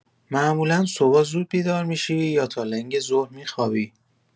معمولا صبحا زود بیدار می‌شی یا تا لنگ ظهر می‌خوابی؟